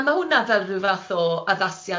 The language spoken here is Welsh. a ma' hwnna fel ryw fath o addasiad